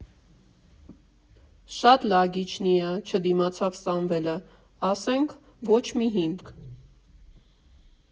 ֊ Շատ լագիչնի ա, ֊ չդիմացավ Սամվելը, ֊ ասենք, ոչ մի հիմք…